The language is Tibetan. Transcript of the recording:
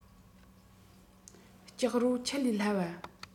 སྐྱག རོ ཆུ ལས སླ བ